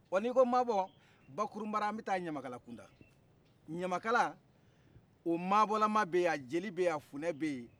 wa ni ko mabɔ barukuruba la an bɛ taa ɲamakalala ɲamakala o mabɔla beyi a jeli beyi a funɛ beyi